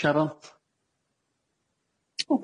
Siarol?